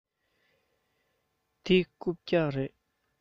འདི རྐུབ བཀྱག རེད